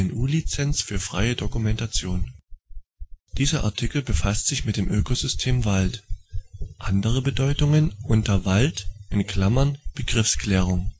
GNU Lizenz für freie Dokumentation. Dieser Artikel befasst sich mit dem Ökosystem Wald. Andere Bedeutungen unter Wald (Begriffsklärung